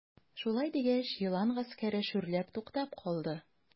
Шулай дигәч, елан гаскәре шүрләп туктап калды.